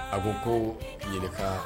A ko ko jerika